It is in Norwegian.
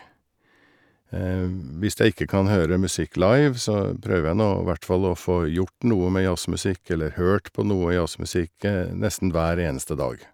Hvis jeg ikke kan høre musikk live, så prøver jeg nå hvert fall å få gjort noe med jazzmusikk eller hørt på noe jazzmusikk nesten hver eneste dag.